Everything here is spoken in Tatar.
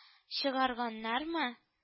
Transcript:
Чыгарганнармы